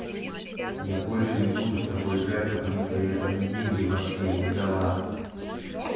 я больше не буду с тобой играть потому что я там не деньги вообще не дала